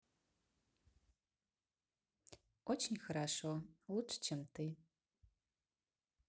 очень хорошо лучше чем ты